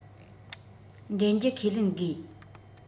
འདྲེན རྒྱུ ཁས ལེན དགོས